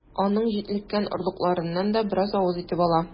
Аның җитлеккән орлыкларыннан да бераз авыз итеп ала.